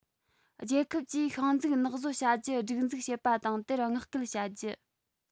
རྒྱལ ཁབ ཀྱིས ཤིང འཛུགས ནགས བཟོ བྱ རྒྱུ སྒྲིག འཛུགས བྱེད པ དང དེར བསྔགས སྐུལ བྱ རྒྱུ